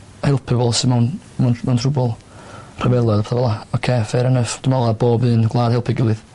helpu bo'l sy mewn mewn mewn trwbl. Rhyfelodd a petha fel 'a. Ocê fair enough dwi me'wl ma' bob un gwlad helpu gilydd.